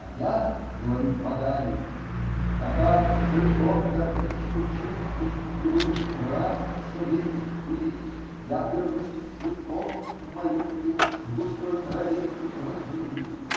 "-- "А я, -- говорит Магали: Пока с силком за птичкой чуткой Ты будешь красться, весь в пыли, Я обернусь цветком-малюткой В густой траве степной земли!